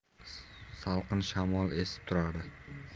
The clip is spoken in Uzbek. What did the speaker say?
salqin shamol esib turardi